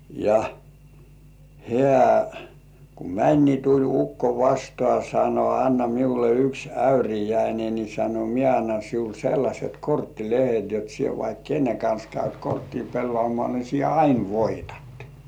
ja hän kun meni niin tuli ukko vastaan sanoi anna minulle yksi äyriäinen niin sanoi minä annan sinulle sellaiset korttilehdet jotta sinä vaikka kenen kanssa käyt korttia pelaamaan niin sinä aina voitat